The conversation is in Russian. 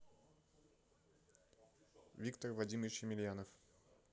виктор вадимович емельянов